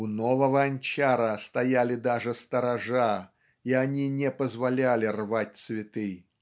У нового Анчара стояли даже сторожа, и они не позволяли рвать цветы.